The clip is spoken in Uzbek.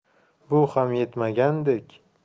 bu ham yetmagandek